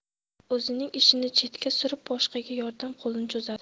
o'zining ishini chetga surib boshqaga yordam qo'lini cho'zadi